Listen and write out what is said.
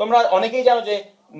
তোমরা অনেকেই জানো যে